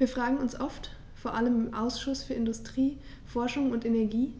Wir fragen uns oft, vor allem im Ausschuss für Industrie, Forschung und Energie,